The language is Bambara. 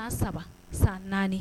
San saba san naani